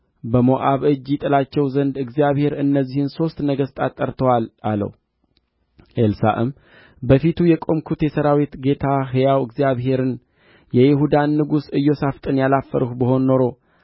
ኤልሳዕም የእስራኤልን ንጉሥ እኔ ከአንተ ጋር ምን አለኝ ወደ አባትህና ወደ እናትህ ነቢያት ሂድ አለው የእስራኤልም ንጉሥ አይደለም